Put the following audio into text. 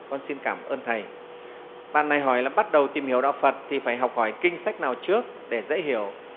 con xin cảm ơn thầy bạn này hỏi là bắt đầu tìm hiểu đạo phật thì phải học hỏi kinh sách nào trước để dễ hiểu